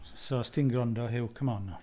So os ti'n gwrando, Huw, come on nawr.